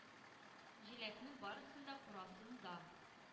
Җиләкнең барысын да: курасын да,